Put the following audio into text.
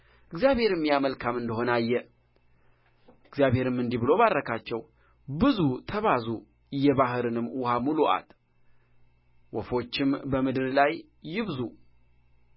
እግዚአብሔርም ያ መልካም እንደ ሆነ አየ እግዚአብሔርም እንዲህ ብሎ ባረካቸው ብዙ ተባዙም የባሕርንም ውኃ ሙሉአት ወፎችም በምድር ላይ ይብዙ